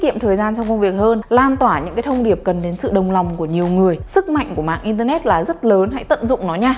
tiết kiệm thời gian trong công việc hơn lan tỏa những cái thông điệp cần đến sự đồng lòng của nhiều người sức mạnh của mạng internet là rất lớn hãy tận dụng nó nha